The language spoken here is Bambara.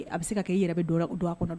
A bɛ se ka' i yɛrɛ bɛ don don a kɔnɔ